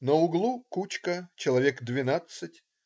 На углу - кучка, человек двенадцать.